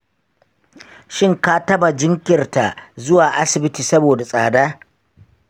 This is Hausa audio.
shin ka taba jinkirta zuwa asibiti saboda tsada?